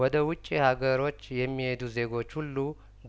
ወደ ውጪ ሀገሮች የሚሄዱ ዜጐች ሁሉ